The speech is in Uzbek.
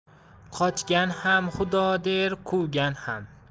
qochgan ham xudo der quvgan ham